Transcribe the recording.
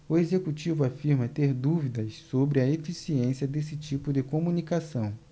o executivo afirma ter dúvidas sobre a eficiência desse tipo de comunicação